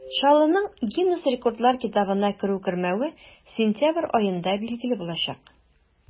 Чаллының Гиннес рекордлар китабына керү-кермәве сентябрь аенда билгеле булачак.